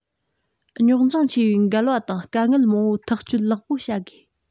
རྙོག འཛིང ཆེ བའི འགལ བ དང དཀའ ངལ མང པོ ཐག གཅོད ལེགས པོ བྱ དགོས